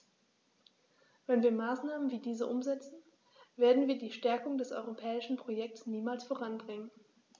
Wenn wir Maßnahmen wie diese umsetzen, werden wir die Stärkung des europäischen Projekts niemals voranbringen.